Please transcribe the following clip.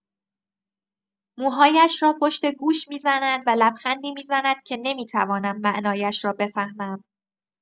موهایش را پشت گوش می‌زند و لبخندی می‌زند که نمی‌توانم معنایش را بفهمم.